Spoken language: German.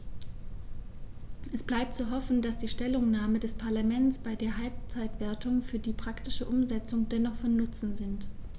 Es bleibt zu hoffen, dass die Stellungnahmen des Parlaments bei der Halbzeitbewertung und für die praktische Umsetzung dennoch von Nutzen sind.